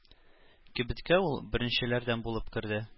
Кибеткә ул беренчеләрдән булып керде.